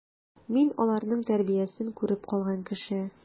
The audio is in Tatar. Мин аларның тәрбиясен күреп калган кеше.